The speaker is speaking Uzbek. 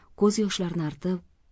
ko'z yoshlarini artib